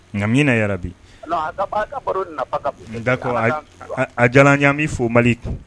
Nkamina yɛrɛ bi n da ko a jalaanmi bɛ fɔ mali